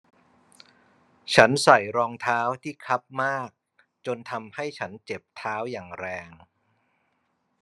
ฉันใส่รองเท้าที่คับมากจนทำให้ฉันเจ็บเท้าอย่างแรง